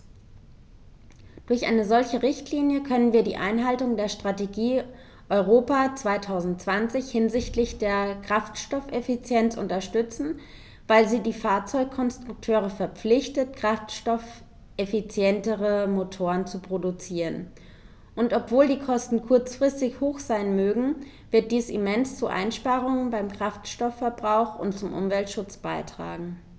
Durch eine solche Richtlinie können wir die Einhaltung der Strategie Europa 2020 hinsichtlich der Kraftstoffeffizienz unterstützen, weil sie die Fahrzeugkonstrukteure verpflichtet, kraftstoffeffizientere Motoren zu produzieren, und obwohl die Kosten kurzfristig hoch sein mögen, wird dies immens zu Einsparungen beim Kraftstoffverbrauch und zum Umweltschutz beitragen.